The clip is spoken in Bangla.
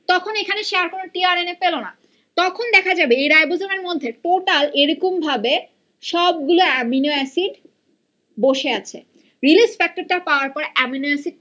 তখন সে এখানে আর কোন টি আর এন এ পেল না তখন দেখা যাবে এ রাইবোজোম এর মধ্যে টোটাল এরকমভাবে সবগুলো এমাইনো এসিড বসে আছে রিলিজ ফ্যাক্টরটা পাওয়ার পর এমাইনো এসিড